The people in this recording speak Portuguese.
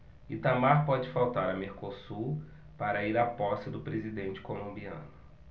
itamar pode faltar a mercosul para ir à posse do presidente colombiano